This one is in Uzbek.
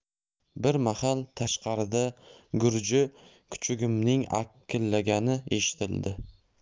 bir mahal tashqarida gurji kuchugimning akillagani eshitildi